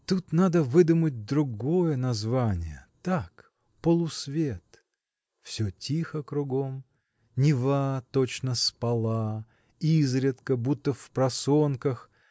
тут надо бы выдумать другое название – так, полусвет. Все тихо кругом. Нева точно спала изредка будто впросонках